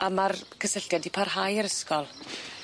A ma'r cysylltiad 'di parhau a'r ysgol.